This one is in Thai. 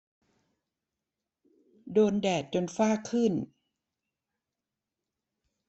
โดนแดดจนฝ้าขึ้น